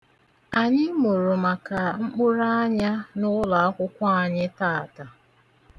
Anyị mụrụ maka mkpụrụanya n'ụlọakwụkwọ anyị taata.